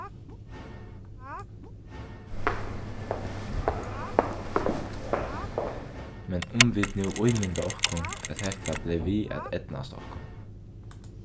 men um vit nú ímynda okkum at hetta bleiv við at eydnast okkum